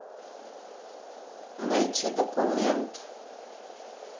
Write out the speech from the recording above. найти документ